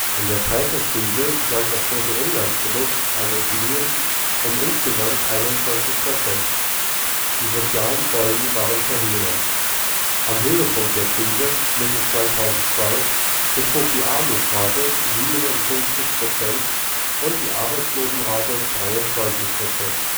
In der Zeit der Krise sank das Bruttoinlandsprodukt Argentiniens um insgesamt 21 %. Die sozialen Folgen waren verheerend: Am Höhepunkt der Krise (Mitte 2002) betrug die Armutsrate 57 % und die Arbeitslosenrate 23 %. Seit